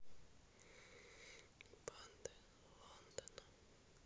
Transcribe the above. банды лондона